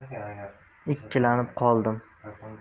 ikkilanib qoldim